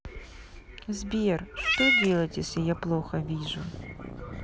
сбер что делать если я плохо вижу